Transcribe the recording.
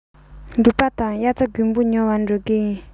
ལུག པགས དང དབྱར རྩྭ དགུན འབུ ཉོ བར འགྲོ གི ཡིན